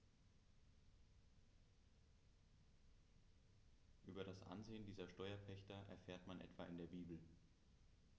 Über das Ansehen dieser Steuerpächter erfährt man etwa in der Bibel.